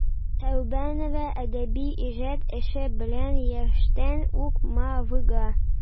Сәүбанова әдәби иҗат эше белән яшьтән үк мавыга.